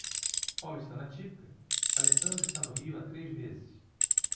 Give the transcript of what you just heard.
paulistana típica alessandra está no rio há três meses